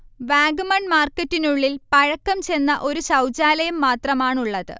വാഗമൺ മാർക്കറ്റിനുള്ളിൽ പഴക്കം ചെന്ന ഒരു ശൗചാലയം മാത്രമാണുള്ളത്